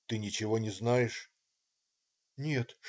"Ты ничего не знаешь?" - "Нет.